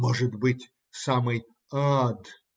Может быть, самый ад?